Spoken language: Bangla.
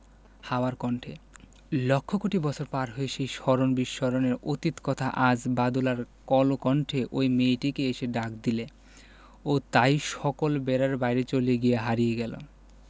হাওয়ার কণ্ঠে লক্ষ কোটি বছর পার হয়ে সেই স্মরণ বিস্মরণের অতীত কথা আজ বাদলার কলকণ্ঠে ঐ মেয়েটিকে এসে ডাক দিলে ও তাই সকল বেড়ার বাইরে চলে গিয়ে হারিয়ে গেল